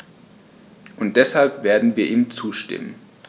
Und deshalb werden wir ihm zustimmen.